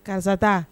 Karisa ta